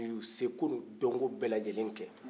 ni u yu seko nu dɔnko bɛlajɛlen kɛ